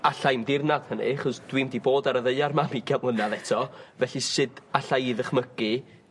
alla i'm dirnad hynny achos dwi'm 'di bod ar y ddaear 'ma am ugain mlynadd eto felly sud alla i ddychmygu